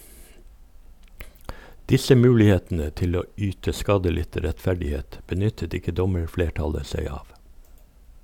Disse mulighetene til å yte skadelidte rettferdighet, benyttet ikke dommerflertallet seg av.